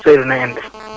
Seydou na ngeen def